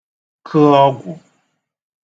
kə̣ ọgwụ